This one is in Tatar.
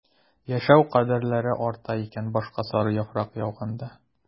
Яшәү кадерләре арта икән башка сары яфрак яуганда...